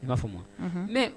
I n b'a fɔma ne